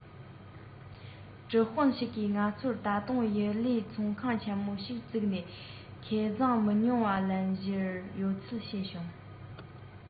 གྲུ དཔོན ཞིག གིས ང ཚོར ད དུང ཡུ ལེས ཚོང ཁང ཆེན པོ ཞིག བཙུགས ནས ཁེ བཟང མི ཉུང བ ལེན བཞིན ཡོད ཚུལ བཤད བྱུང